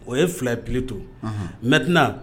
O ye fila ye p to mɛt